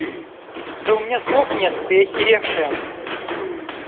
да у меня слов нет ты охеревшая